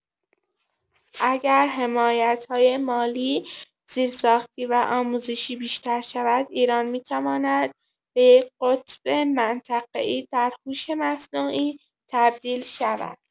اگر حمایت‌های مالی، زیرساختی و آموزشی بیشتر شود، ایران می‌تواند به یک‌قطب منطقه‌ای در هوش مصنوعی تبدیل شود.